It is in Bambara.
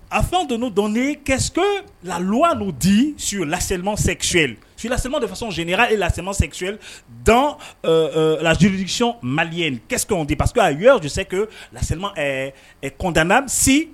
A fɛn don'o dɔn n' ye laluwa'u di siolaslima sɛgɛgyli suurlasima de fasɔn sen' e lasma sɛyli dan lazoridisisɔnɔn maliyesw tɛ parce que y' de se ko la kɔntanansi